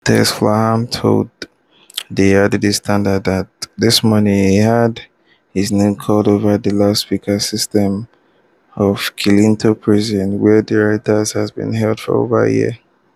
Tesfalem told the Addis Standard that this morning he heard his name called over the loudspeaker system of Kilinto Prison, where the writers have been held for over a year.